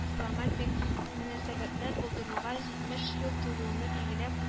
Дипломатик мнәсәбәтләр булдыруга җитмеш ел тулуыны билгеләп